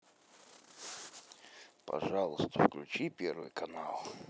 пожалуйста включи первый канал